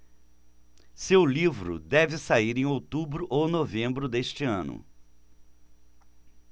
seu livro deve sair em outubro ou novembro deste ano